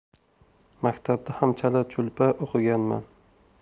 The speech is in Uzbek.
maktabda ham chala chulpa o'qiganman